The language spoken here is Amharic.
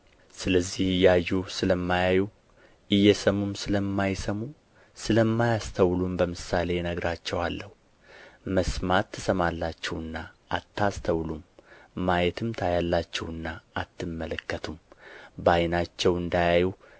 ስለዚህ እያዩ ስለማያዩ እየሰሙም ስለማይሰሙ ስለማያስተውሉም በምሳሌ እነግራቸዋለሁ መስማት ትሰማላችሁና አታስተውሉም ማየትም ታያላችሁና አትመለከቱም በዓይናቸው እንዳያዩ